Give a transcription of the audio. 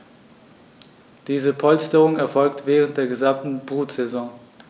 Diese Polsterung erfolgt während der gesamten Brutsaison.